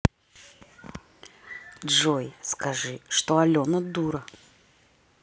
джой скажи что алена дура